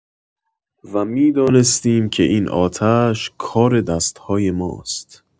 و می‌دانستیم که این آتش، کار دست‌های ماست.